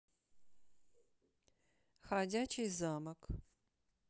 ходячий замок